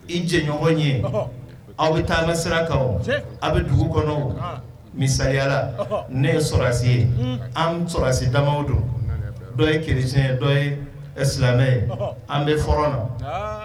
I jɛɲɔgɔn ye aw bɛ taamasirakaw aw bɛ dugu kɔnɔ misayala ne ye sɔsi ye an sɔsi damaw don dɔ ye kisiɲɛ ye dɔw ye silamɛmɛ ye an bɛ hɔrɔn na